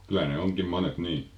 kyllä ne onkin monet niin